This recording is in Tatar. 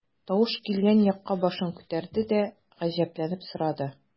Тавыш килгән якка башын күтәрде дә, гаҗәпләнеп сорады.